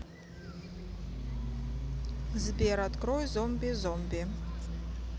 сбер открой zombie zombie